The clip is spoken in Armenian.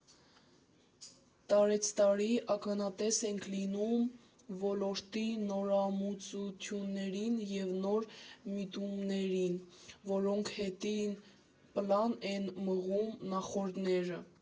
Տարեցտարի ականատես ենք լինում ոլորտի նորամուծություններին և նոր միտումներին, որոնք հետին պլան են մղում նախորդները։